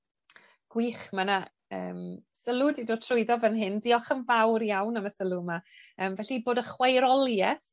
Gwych ma' 'na yym sylw 'di dod trwyddo fan hyn, diolch yn fawr iawn am y sylw yma. Yym felly bod y chwaerolieth